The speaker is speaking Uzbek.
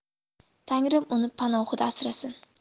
tangrim uni panohida asrasin